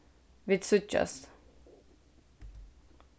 vit síggjast